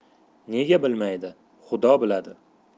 nega bilmaydi xudo biladi